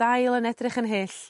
dail yn edrych yn hyll